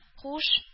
Һуш